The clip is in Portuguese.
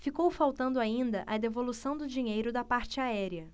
ficou faltando ainda a devolução do dinheiro da parte aérea